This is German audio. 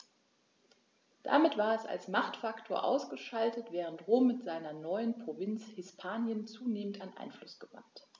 Damit war es als Machtfaktor ausgeschaltet, während Rom mit seiner neuen Provinz Hispanien zunehmend an Einfluss gewann.